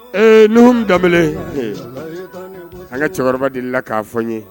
Ee ni daminɛ an ka cɛkɔrɔba deli la k'a fɔ n ye